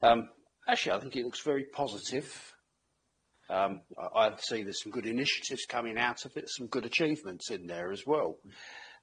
Yym actually I think it looks very positive. Yym I I'd say there's some good initiatives coming out of it, some good achievements in there as well.